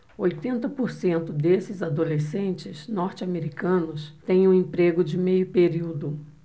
oitenta por cento desses adolescentes norte-americanos têm um emprego de meio período